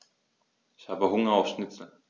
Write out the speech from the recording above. Ich habe Hunger auf Schnitzel.